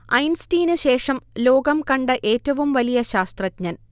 ഐൻസ്റ്റീന് ശേഷം ലോകം കണ്ട ഏറ്റവും വലിയ ശാസ്ത്രജ്ഞൻ